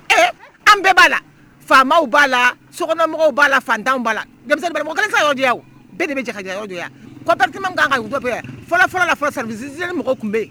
An bɛɛ b'a la faamaw b'a la sokɔnɔmɔgɔw b'a la fantan b'amɔgɔkɛ ka bɛɛ de bɛyama ka fɔlɔ fɔlɔ sarasi mɔgɔ tun bɛ yen